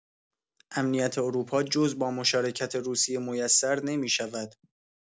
امنیت اروپا جز با مشارکت روسیه میسر نمی‌شود.